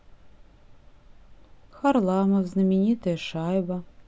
харламов знаменитая шайба